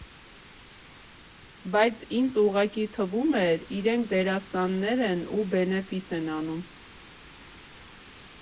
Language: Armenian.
Բայց ինձ ուղղակի թվում էր՝ իրենք դերասաններ են ու բենեֆիս են անում։